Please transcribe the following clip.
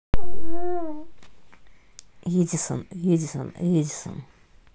эдисон эдисон эдисон